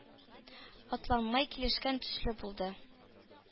Атланмай килешкән төсле булды.